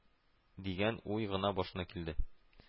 Дигән уй гына башына килде